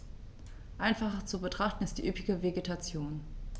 Einfacher zu betrachten ist die üppige Vegetation.